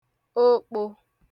okpō